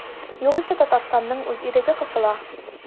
Югыйсә Татарстанның үз иреге кысыла.